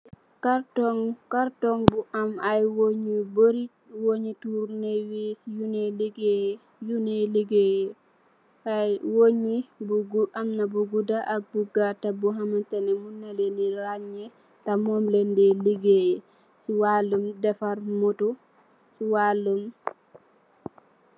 Kartoñg bu am ay wéng yu bëri, wéñgi turnewiis yu ñuy ligeyee. Wénñge yi, am na bu gudda, ak bu gattë boo xamante, mom raañe, të Mon lañge dee ligëyee, si waalum defar motto.